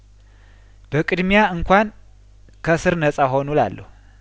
በቅድሚያ እንኳን ከእስር ነጻ ሆኑ እላለሁ